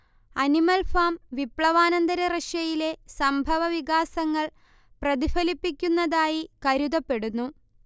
animal Farm വിപ്ലവാനന്തര റഷ്യയിലെ സംഭവവികാസങ്ങൾ പ്രതിഫലിപ്പിക്കുന്നതായി കരുതപ്പെടുന്നു